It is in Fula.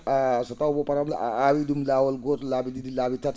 so taw bo para* a aawi ?um laawol gootol laabi ?i?i laabi tati